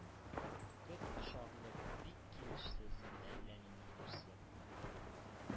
Кот очарлык, бик килешсез, әллә нинди нәрсә бу!